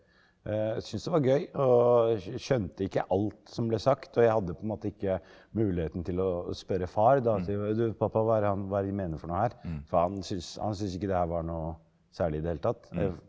synes det var gøy og skjønte ikke alt som ble sagt og jeg hadde på en måte ikke muligheten til å spørre far da du pappa hva er det han hva er det de mener for noe her for han syns han syns ikke det her var noe særlig i det hele tatt .